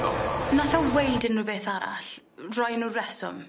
Nath o weud unrywbeth arall? Roi unryw reswm?